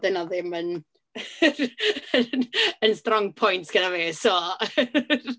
'Di hynna ddim yn yn yn strong point genna fi, so...